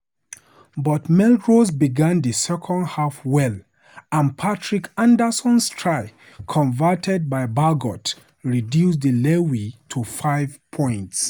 But Melrose began the second half well and Patrick Anderson's try, converted by Baggot, reduced the leeway to five points.